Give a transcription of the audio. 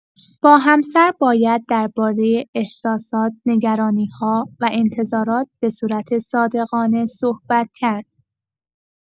با همسر باید درباره احساسات، نگرانی‌ها و انتظارات به‌صورت صادقانه صحبت کرد.